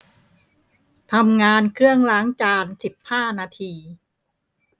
ทำงานเครื่องล้างจานสิบห้านาที